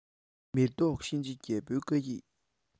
མི བཟློག གཤིན རྗེ རྒྱལ པོའི བཀའ ཡིག